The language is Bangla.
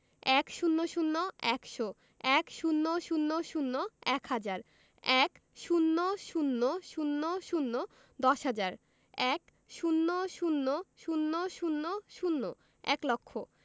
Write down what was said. ১০০ – একশো ১০০০ – এক হাজার ১০০০০ দশ হাজার ১০০০০০ এক লক্ষ